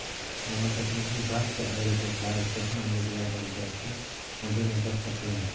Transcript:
mamlakatimizning barcha aeroportlari jahon andozalari darajasida modernizatsiya qilindi